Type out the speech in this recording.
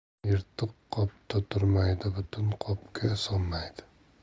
yirtiq qopda turmaydi butun qopga sig'maydi